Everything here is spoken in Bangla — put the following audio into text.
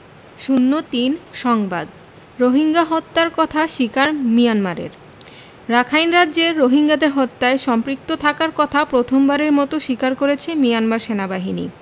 ০৩ সংবাদ রোহিঙ্গা হত্যার কথা স্বীকার মিয়ানমারের রাখাইন রাজ্যে রোহিঙ্গাদের হত্যায় সম্পৃক্ত থাকার কথা প্রথমবারের মতো স্বীকার করেছে মিয়ানমার সেনাবাহিনী